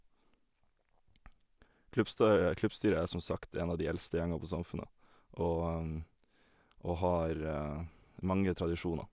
klubbstø Klubbstyret er som sagt en av de eldste gjengene på Samfundet, og og har mange tradisjoner.